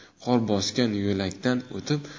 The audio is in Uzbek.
qor bosgan yo'lakdan o'tib